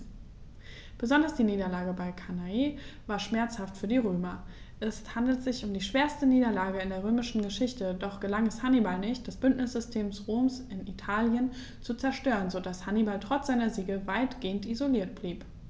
Besonders die Niederlage bei Cannae war schmerzhaft für die Römer: Es handelte sich um die schwerste Niederlage in der römischen Geschichte, doch gelang es Hannibal nicht, das Bündnissystem Roms in Italien zu zerstören, sodass Hannibal trotz seiner Siege weitgehend isoliert blieb.